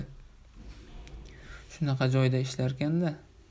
shunaqa joyda ishlarkan da